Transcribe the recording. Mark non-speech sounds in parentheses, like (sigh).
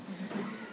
(hesitation) (hesitation)